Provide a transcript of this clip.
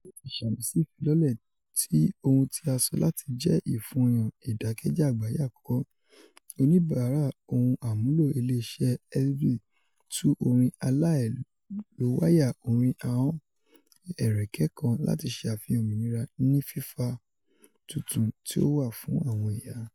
Lati samisi ifilọlẹ ti ohun ti a sọ lati jẹ "ifun ọyan idakẹjẹ agbaye akọkọ," onibara ohun-amulo ile iṣẹ Elvie tu orin alailowaya orin ahọn ẹrẹkẹ kan lati ṣe afihan ominira ni fifa tuntun ti o wa fun awọn iya.